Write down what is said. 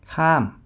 ข้าม